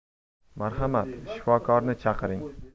marhamat shifokorni chaqiring